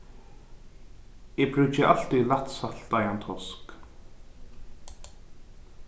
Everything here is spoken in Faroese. eg brúki altíð lætt saltaðan tosk